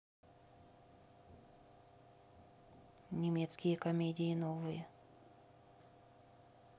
немецкие комедии новые